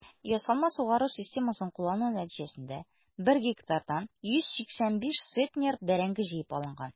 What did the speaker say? Ясалма сугару системасын куллану нәтиҗәсендә 1 гектардан 185 центнер бәрәңге җыеп алынган.